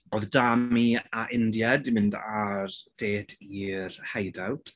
Oedd Dami a India 'di mynd ar date i'r Hideout.